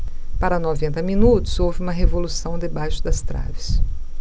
para noventa minutos houve uma revolução debaixo das traves